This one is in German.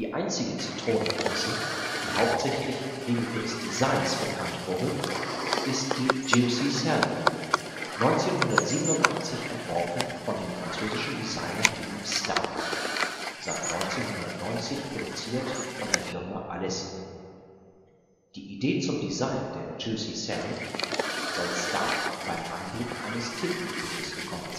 einzige Zitronenpresse, die hauptsächlich wegen ihres Designs bekannt wurde, ist die Juicy Salif, 1987 entworfen von dem französischen Designer Philippe Starck, seit 1990 produziert von der Firma Alessi. Die Idee zum Design der Juicy Salif soll Starck beim Anblick eines Tintenfisches gekommen